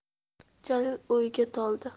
jalil o'yga toldi